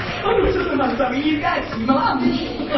O'n nhw jyst yn meddwl taw un gair 'Ffimalams'.